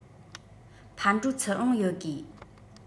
ཕར འགྲོ ཚུར འོང ཡོད དགོས